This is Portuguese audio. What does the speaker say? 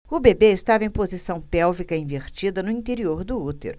o bebê estava em posição pélvica invertida no interior do útero